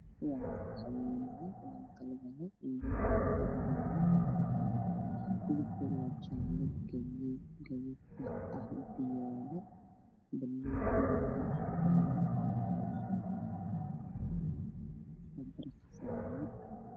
meeshaan waa dukaan lagu iibiyo dharka kalarkoodu yahay jaalo guduud buluug